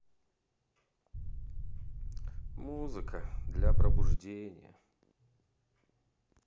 музыка для пробуждения